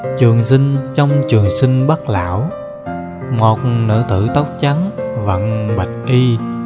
trường sinh trong trường sinh bất lão một nữ tử tóc trắng vận bạch y